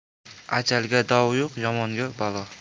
ajalga davo yo'q yomonga balo